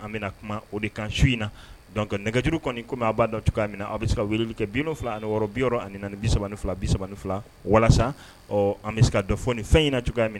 An bɛna kuma o de kan su in na dɔn nɛgɛjuru kɔni kɔmi a b'a dɔn cogoya min a bɛ se ka wulilu kɛ bin fila ani bi ni bisa ni fila bi ni fila walasa an bɛ se ka dɔn fɔoni fɛn in cogoya minɛ